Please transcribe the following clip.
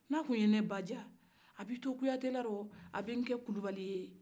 n'a tun ye ne ba diya a bɛ i to kuyatela a bɛ n kɛ kulubali ye yen